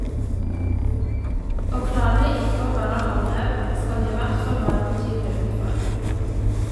Og klarer de ikke å være halvdau, skal de i hvert fall være betydelig ufør.